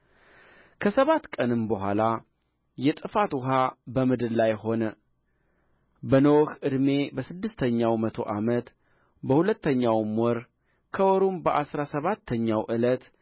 ከሰባት ቀንም በኋላ የጥፋት ውኃ በምድር ላይ ሆነ በኖኅ ዕድሜ በስድስተኛው መቶ ዓመት በሁለተኛው ወር ከወሩም በአሥራ ሰባተኛው ዕለት